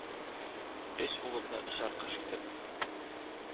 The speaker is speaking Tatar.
— өч улымны, очар кош итеп,